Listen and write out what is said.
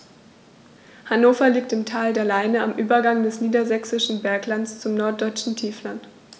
Hannover liegt im Tal der Leine am Übergang des Niedersächsischen Berglands zum Norddeutschen Tiefland.